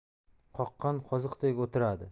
qoqqan qoziqdek o'tiradi